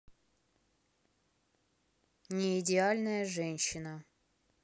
неидеальная женщина